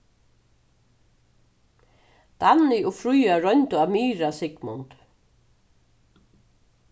danny og fríða royndu at myrða sigmund